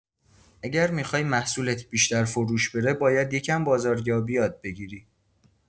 اگه می‌خوای محصولت بیشتر فروش بره، باید یکم بازاریابی یاد بگیری.